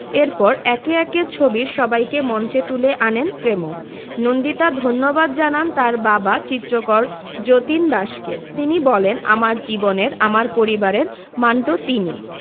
এরপর একে একে ছবির সবাইকে মঞ্চে তুলে আনেন ফ্রেমো নন্দিতা ধন্যবাদ জানান তার বাবা চিত্রকর যতীন দাসকে তিনি বলেন আমার জীবনের আমার পরিবারের মান্টো তিনি